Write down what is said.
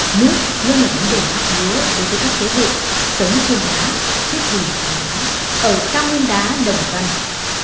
nước luôn là vấn đề hóc búa đối với các thế hệ sống trên đá chết vùi trong đá ở cao nguyên đá đồng văn